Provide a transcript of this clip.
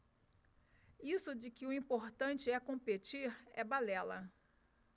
isso de que o importante é competir é balela